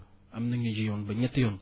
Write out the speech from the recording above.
am na ñu jiwoon ba ñetti yoon